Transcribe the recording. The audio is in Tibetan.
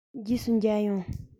རྗེས སུ མཇལ ཡོང